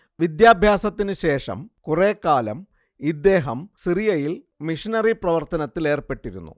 വിദ്യാഭ്യാസത്തിനുശേഷം കുറേക്കാലം ഇദ്ദേഹം സിറിയയിൽ മിഷനറി പ്രവർത്തനത്തിലേർപ്പെട്ടിരുന്നു